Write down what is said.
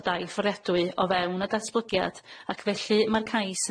o dai fforiadwy o fewn y datblygiad ac felly ma'r cais